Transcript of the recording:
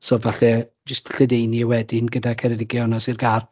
So falle jyst lledaenu wedyn gyda Ceredigion a Sir Gâr.